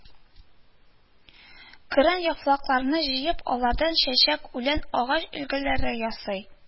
Көрән яфракларны җыеп, алардан чәчәк, үлән, агач өлгеләре ясый